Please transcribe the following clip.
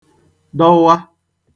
dọwa